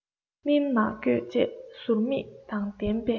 སྨིན མ བསྐྱོད བཅས ཟུར མིག དང ལྡན པས